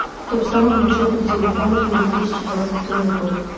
топ самых бюджетных телефонов на две тысячи двадцать первый год